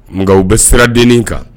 Nka u bɛ siran denni kan